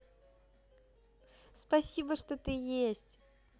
спасибо что ты есть